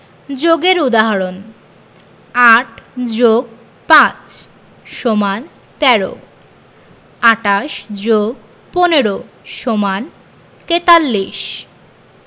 যোগের উদাহরণঃ ৮ + ৫ = ১৩ ২৮ + ১৫ = ৪৩